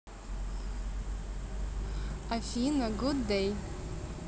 афина good day